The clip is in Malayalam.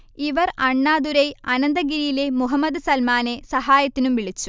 ഇവർ അണ്ണാദുരൈ അനന്തഗിരിയിലെ മുഹമ്മദ് സൽമാനെ സഹായത്തിനും വിളിച്ചു